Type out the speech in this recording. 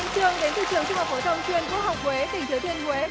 chương đến từ trường trung học phổ thông chuyên quốc học huế tỉnh thừa thiên huế